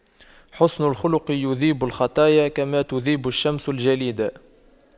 حُسْنُ الخلق يذيب الخطايا كما تذيب الشمس الجليد